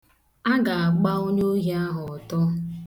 A ga-agba onyeohi ahụ ọtọ.